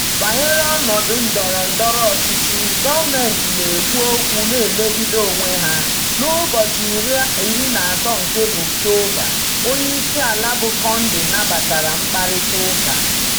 Banyere ọnọdụ ndọrọ ndọrọ ọchịchị, gọọmentị na-ekwu okwu na-emegide onwe ha: N'ụbọchị 13 nke Ọktoba, Onyeisi ala bụ Condé nabatara mkparịta ụka: